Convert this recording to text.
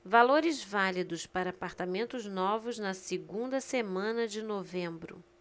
valores válidos para apartamentos novos na segunda semana de novembro